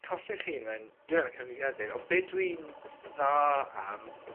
colli'ch hyn mewn... Ie. ...geme cyfrifiadur ond be' dwi'n dda ma